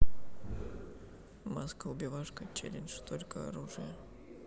маска убивашка челлендж только оружие